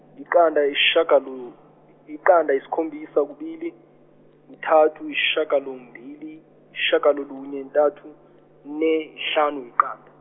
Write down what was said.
yiqanda isishagalo- iqanda isikhombisa kubili, kuthathu ushagalombili, ishagalolunye ntathu, ne hlanu yiqanda.